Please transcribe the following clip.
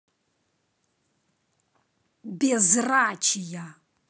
безрачия